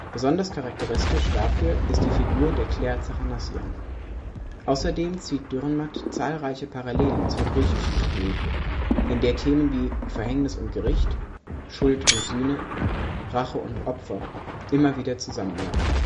Besonders charakteristisch dafür ist die Figur der Claire Zachanassian. Außerdem zieht Dürrenmatt zahlreiche Parallelen zur griechischen Tragödie, in der Themen wie „ Verhängnis und Gericht “,„ Schuld und Sühne “,„ Rache und Opfer “immer wieder zusammenlaufen